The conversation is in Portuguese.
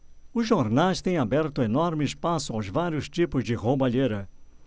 os jornais têm aberto enorme espaço aos vários tipos de roubalheira